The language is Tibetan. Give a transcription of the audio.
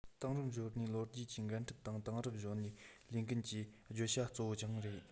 དེང རབས གཞོན ནུའི ལོ རྒྱུས ཀྱི འགན འཁྲི དང དེང རབས ཀྱི གཞོན ནུའི ལས འགུལ གྱི བརྗོད བྱ གཙོ བོ ཀྱང རེད